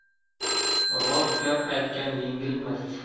rost gap aytgan yengilmas